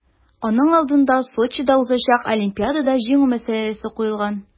Аның алдына Сочида узачак Олимпиадада җиңү мәсьәләсе куелган.